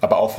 aber auch